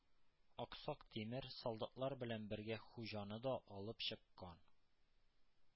Аксак Тимер солдатлар белән бергә Хуҗаны да алып чыккан.